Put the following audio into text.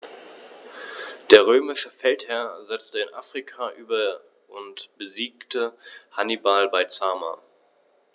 Der römische Feldherr setzte nach Afrika über und besiegte Hannibal bei Zama.